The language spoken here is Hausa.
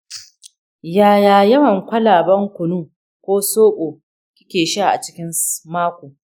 yaya yawan kwalaben kunu ko zobo kike sha a cikin mako?